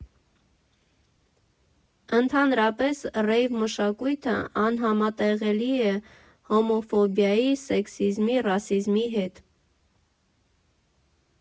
Ընդհանրապես, ռեյվ֊մշակույթն անհամատեղելի է հոմոֆոբիայի, սեքսիզմի, ռասիզմի, հետ։